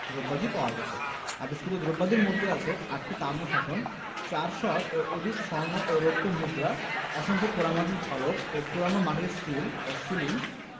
দ্রব্যাদি পাওয়া গেছে আবিষ্কৃত দ্রব্যাদির মধ্যে আছে আটটি তাম্রশাসন চারশরও অধিক স্বর্ণ ও রৌপ্য মুদ্রা অসংখ্য পোড়ামাটিফলক ও পোড়ানো মাটির সিল ও সিলিং